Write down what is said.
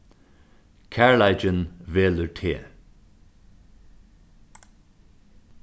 kærleikin velur teg